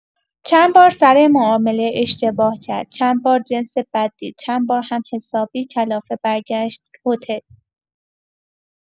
چند بار سر معامله اشتباه کرد، چند بار جنس بد دید، چند بار هم حسابی کلافه برگشت هتل.